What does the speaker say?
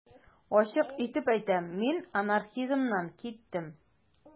Ачык итеп әйтәм: мин анархизмнан киттем.